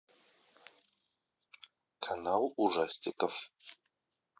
канал ужастиков